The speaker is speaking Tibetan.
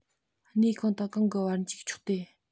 གནས གང དང གང གི བར འཇུག ཆོག སྟེ